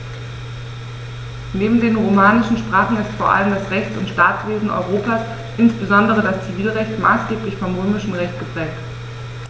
Neben den romanischen Sprachen ist vor allem das Rechts- und Staatswesen Europas, insbesondere das Zivilrecht, maßgeblich vom Römischen Recht geprägt.